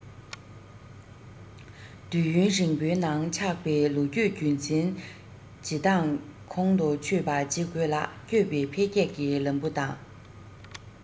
དུས ཡུན རིང པོའི ནང ཆགས པའི ལོ རྒྱུས རྒྱུན འཛིན བྱེད སྟངས ཁོང དུ ཆུད པ བྱེད དགོས ལ བསྐྱོད པའི འཕེལ རྒྱས ཀྱི ལམ བུ དང